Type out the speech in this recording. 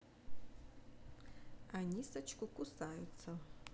анисочку кусаются